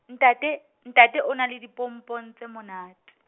ntate, ntate o na le dipompong tse monate.